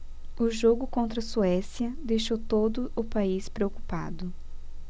o jogo contra a suécia deixou todo o país preocupado